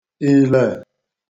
ìlè